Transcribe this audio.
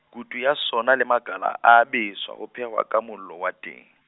kutu ya sona le makala a a beswa, ho phehwa ka mollo wa teng.